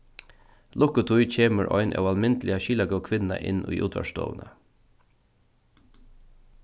lukkutíð kemur ein óalmindiliga skilagóð kvinna inn í útvarpsstovuna